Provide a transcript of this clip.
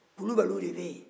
kulubaliw de bɛ yen